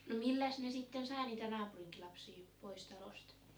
no milläs ne sitten sai niitä naapurinkin lapsia pois talosta